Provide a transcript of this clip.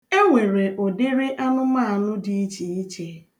E nwere ụdịrị anụmaanụ dị iche iche.